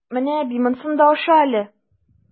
Менә, әби, монсын да аша әле!